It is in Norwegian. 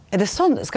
er det sånn.